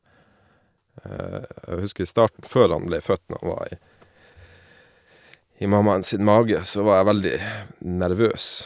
Jeg husker starten før han ble født, når han var i i mammaen sin mage, så var jeg veldig nervøs.